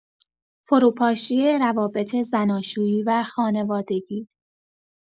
فروپاشی روابط زناشویی و خانوادگی